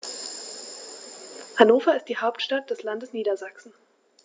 Hannover ist die Hauptstadt des Landes Niedersachsen.